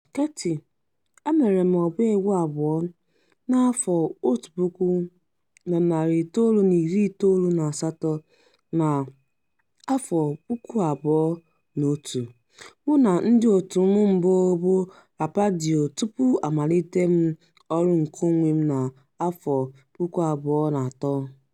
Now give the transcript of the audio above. Keyti ​​: Emere m ọbaegwu abụọ (na 1998 na 2001) mụ na ndịotu m mbụ bụ Rapadio tupu amalite m ọrụ nkeonwe m na 2003.